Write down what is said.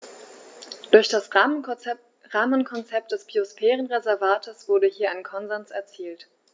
Durch das Rahmenkonzept des Biosphärenreservates wurde hier ein Konsens erzielt.